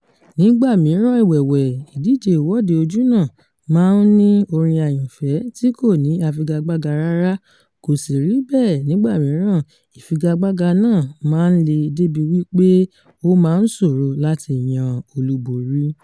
Ní ìgbà mìíràn ẹ̀wẹ̀wẹ̀, ìdíje Ìwọ́de Ojúnà máa ń ní orin àyànfẹ́ tí kò ní afigagbága rárá; kò sí rí bẹ́ẹ̀ nígbà mìíràn, ìfigagbága náà máa ń le dé ibi wípé ó máa ń ṣòro láti yan olúborí.